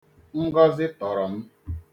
Ngọzị tọrọ m.